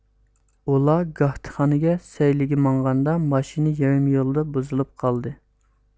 ئۇلار كاگتىخانىگە سەيلىگە ماڭغاندا ماشىنا يېرىم يولدا بۇزۇلۇپ قالدى